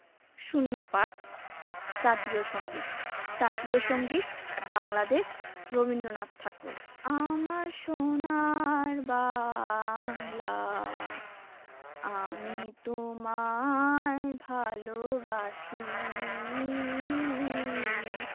০৫ জাতীয় সংগীত জাতীয় সংগীত বাংলাদেশ রবীন্দ্রনাথ ঠাকুর আমার সোনার বাংলা আমি তোমায় ভালোবাসি